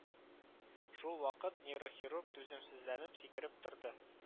Шул вакыт нейрохирург түземсезләнеп сикереп торды: